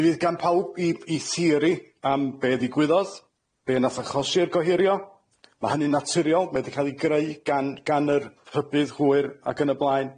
Mi fydd gan pawb 'i 'i theori am be' ddigwyddodd, be' nath achosi'r gohirio. Ma' hynny'n naturiol. Ma' o 'di ca'l ei greu gan gan y rhybudd hwyr, ac yn y blaen.